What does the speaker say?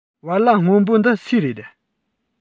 བལ ལྭ སྔོན པོ འདི སུའི རེད